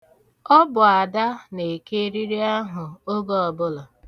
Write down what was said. Ọ bụ Ada na-eke eriri ahụ oge ọbụla.